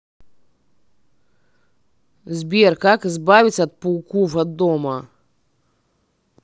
сбер как избавиться от пауков от дома